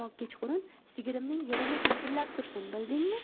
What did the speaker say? ammo kechqurun sigirimning yelini tirsillab tursin bildingmi